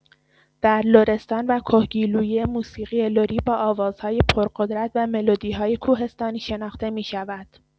در لرستان و کهگیلویه موسیقی لری با آوازهای پرقدرت و ملودی‌های کوهستانی شناخته می‌شود.